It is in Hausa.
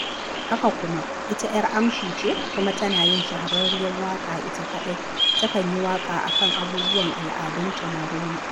Haka kuma ita 'yar amshi ce kuma tana yin shahararriyar waƙa ita kaɗai, takan yi waƙa a kan abubuwan al'adunta na Roma.